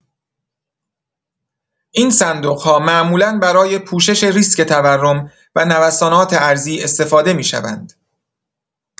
این صندوق‌ها معمولا برای پوشش ریسک تورم و نوسانات ارزی استفاده می‌شوند.